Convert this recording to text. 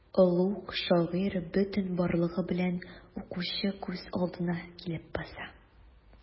Олуг шагыйрь бөтен барлыгы белән укучы күз алдына килеп баса.